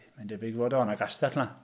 Mae'n debyg fod o, o' na gastell 'na.